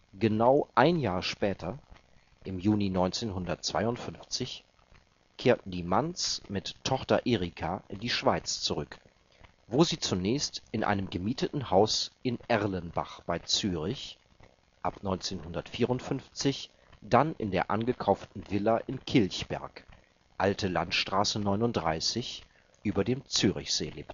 Genau ein Jahr später, im Juni 1952, kehrten die Manns mit Tochter Erika in die Schweiz zurück, wo sie zunächst in einem gemieteten Haus in Erlenbach bei Zürich, ab 1954 dann in der angekauften Villa in Kilchberg, Alte Landstraße 39, über dem Zürichsee